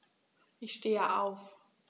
Ich stehe auf.